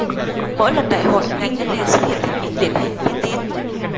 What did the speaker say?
mỗi lần đại hội ngành ngân hàng xuất hiện thêm những điển hình tiên tiến